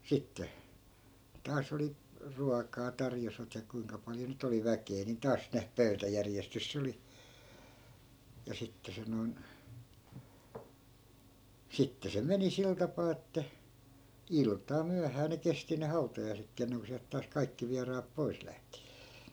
sitten taas oli ruokaa tarjosivat ja kuinka paljon nyt oli väkeä niin taas ne pöytäjärjestys se oli ja sitten se noin sitten se meni sillä tapaa että iltaan myöhään ne kesti ne hautajaisetkin ennen kuin sieltä taas kaikki vieraat pois lähti